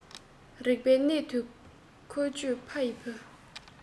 རིག པ གནད དུ ཁོད ཅིག ཕ ཡི བུ